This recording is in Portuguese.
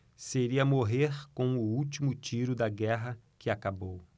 seria morrer com o último tiro da guerra que acabou